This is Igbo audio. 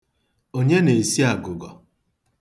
Onye na-esi agụgọ